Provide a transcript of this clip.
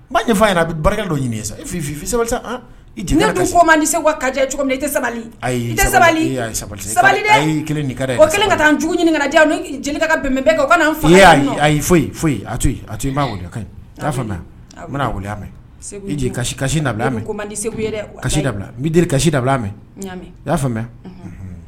N ba bɛ barika dɔ ɲini sa sabali sa ko ma dise wa kajɛ cogo i sabali ayi sabali sabali sabali ka dɛ ko kelen ka taa cogo ɲini ka diya jeli ka bɛn kɛ o foyi foyi a''a mɛ da segu da bɛ kasi dabila mɛ